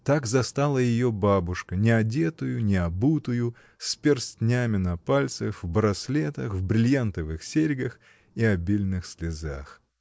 Так застала ее бабушка, неодетую, необутую, с перстнями на пальцах, в браслетах, в брильянтовых серьгах и обильных слезах.